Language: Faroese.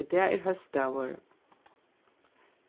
í dag er hósdagur